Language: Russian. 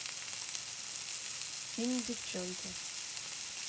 фильм девчонки